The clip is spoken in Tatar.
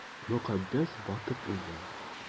Мөкаддәс батып үлгән!